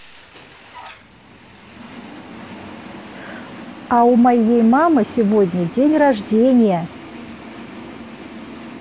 а у моей мамы сегодня день рождения